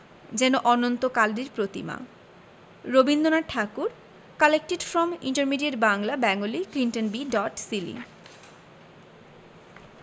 যেন অনন্তকালেরই প্রতিমা Rabindranath Tagore collected from intermediate Bangla Bengali Clinton B dot Seely